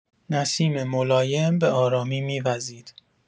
نسیم ملایم به‌آرامی می‌وزید.